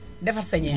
defar sa ñeex